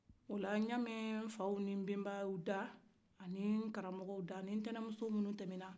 o la ɲa mɛ nfaw ni nbenbaw da ani karamɔgɔw da ani ntɛninmuso minu tɛmɛ na